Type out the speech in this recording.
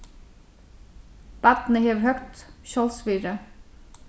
barnið hevur høgt sjálvsvirði